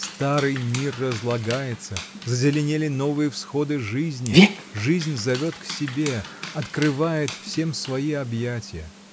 Старый мир разлагается, зазеленели новые всходы жизни — жизнь зовет к себе, открывает всем свои объятия.